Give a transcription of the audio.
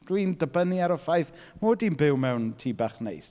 Dwi'n dibynnu ar y ffaith 'mod i'n byw mewn tŷ bach neis.